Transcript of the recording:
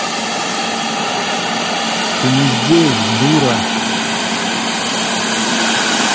ты не здесь дура